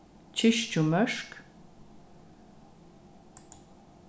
kirkjumørk